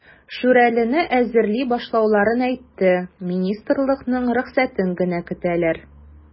"шүрәле"не әзерли башлауларын әйтте, министрлыкның рөхсәтен генә көтәләр.